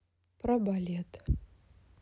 про балет